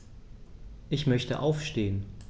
Ich möchte aufstehen.